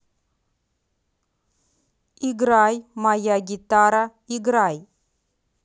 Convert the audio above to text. играй моя гитара играй